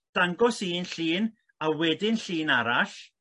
dangos un llun a wedyn llun arall